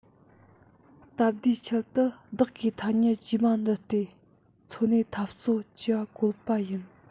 སྟབས བདེའི ཆེད དུ བདག གིས ཐ སྙད དཀྱུས མ འདི སྟེ འཚོ གནས འཐབ རྩོད ཅེས པ བཀོལ པ ཡིན